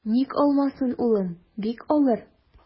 Ник алмасын, улым, бик алыр.